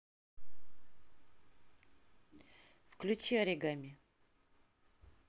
включи оригами